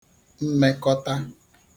mmekọta